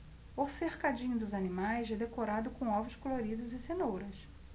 o cercadinho dos animais é decorado com ovos coloridos e cenouras